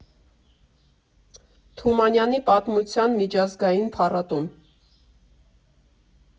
Թումանյանի պատմասության միջազգային փառատոն։